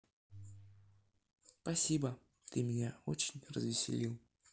спасибо ты меня очень развеселил